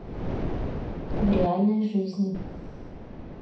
в реальной жизни